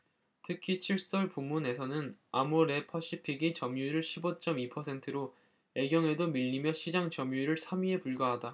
특히 칫솔 부문에서는 아모레퍼시픽이 점유율 십 오 쩜 이 퍼센트로 애경에도 밀리며 시장점유율 삼 위에 불과하다